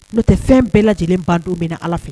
N'o tɛ fɛn bɛɛ lajɛlen banto bɛna ala fɛ